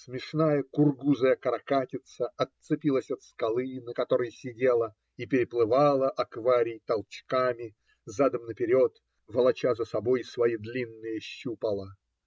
смешная кургузая каракатица отцепилась от скалы, на которой сидела, и переплывала акварий толчками, задом наперед, волоча за собой свои длинные щупала.